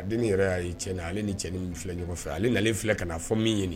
A den ni yɛrɛ y'a'i cɛnani ale ni cɛnin filɛ ɲɔgɔnfɛ ale nalen filɛ ka fɔ min ɲini